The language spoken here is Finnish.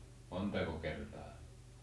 montako kertaa